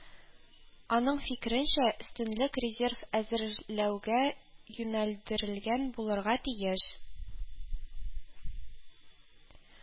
Аның фикеренчә, өстенлек резерв әзерләүгә юнәлдерелгән булырга тиеш